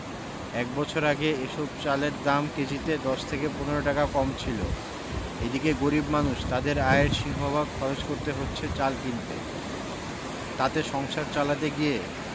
এক বছর আগে এসব চালের দাম কেজিতে ১০ থেকে ১৫ টাকা কম ছিল এদিকে গরিব মানুষ তাঁদের আয়ের সিংহভাগ খরচ করতে হচ্ছে চাল কিনতে তাতে সংসার চালাতে গিয়ে